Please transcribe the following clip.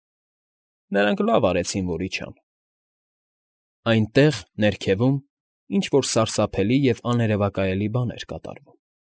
Նրանք լավ արեցին, որ իջան… Այնտեղ, ներքևում, ինչ֊որ սարսափելի և աներևակայելի բան էր կատարվում։